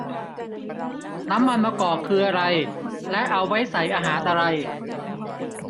น้ำมันมะกอกคืออะไรและเอาไว้ใส่อาหารอะไร